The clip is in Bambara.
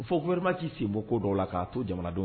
Foma ci sen bɔ ko dɔw la k'a to jamana ye